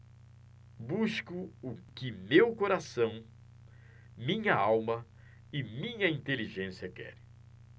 busco o que meu coração minha alma e minha inteligência querem